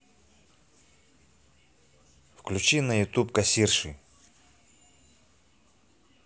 включи на ютуб кассирши